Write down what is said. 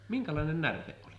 minkälainen närte oli